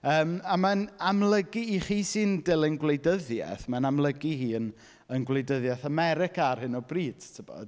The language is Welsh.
Yym a mae'n amlygu... i chi sy'n dilyn gwleidyddiaeth mae'n amlygu ei hun yn gwleidyddiaeth America ar hyn o bryd tibod.